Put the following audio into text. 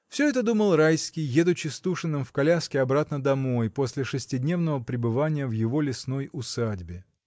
Всё это думал Райский, едучи с Тушиным в коляске обратно домой, после шестидневного пребывания в его лесной усадьбе.